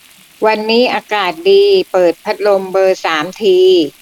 วันนี้อากาศดีเปิดพัดลมเบอร์สามที